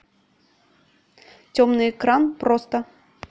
темный экран просто